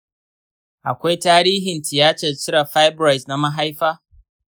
akwai tarihin tiyatar cire fibroids na mahaifa?